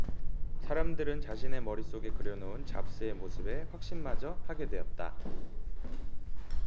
사람들은 자신의 머릿속에 그려놓은 잡스의 모습에 확신마저 하게 되었다